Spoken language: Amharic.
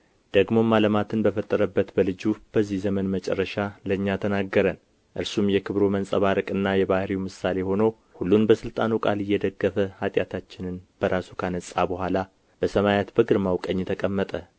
ደግሞም ዓለማትን በፈጠረበት በልጁ በዚህ ዘመን መጨረሻ ለእኛ ተናገረን እርሱም የክብሩ መንጸባረቅና የባሕርዩ ምሳሌ ሆኖ ሁሉን በስልጣኑ ቃል እየደገፈ ኃጢአታችንን በራሱ ካነጻ በኋላ በሰማያት በግርማው ቀኝ ተቀመጠ